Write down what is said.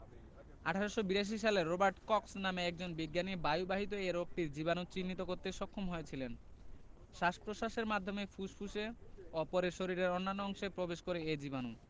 ১৮৮২ সালে Robert Koch নামে একজন বিজ্ঞানী বায়ুবাহিত এ রোগটির জীবাণু চিহ্নিত করতে সক্ষম হয়েছিলেন শ্বাস প্রশ্বাসের মাধ্যমে প্রথমে ফুসফুসে ও পরে শরীরের অন্যান্য অংশেও প্রবেশ করে এ জীবাণু